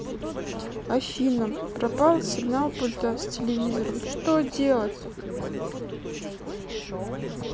афина пропал сигнал пульта с телевизором что делать